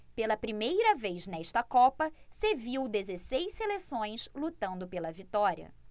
pela primeira vez nesta copa se viu dezesseis seleções lutando pela vitória